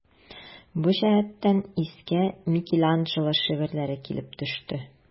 Бу җәһәттән искә Микеланджело шигырьләре килеп төште.